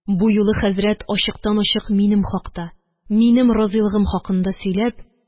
Бу юлы хәзрәт ачыктан-ачык минем хакта, минем разыйлыгым хакында сөйләп: